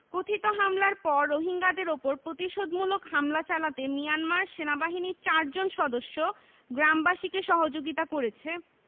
কথিত হামলার পর রোহিঙ্গাদের ওপর প্রতিশোধমূলক হামলা চালাতে মিয়ানমার সেনাবাহিনীর চারজন সদস্য গ্রামবাসীকে সহযোগিতা করেছে